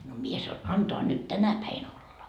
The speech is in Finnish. no minä sanoin antaa nyt tänä päivänä olla